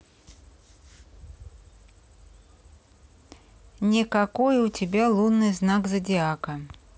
не какой у тебя лунный знак зодиака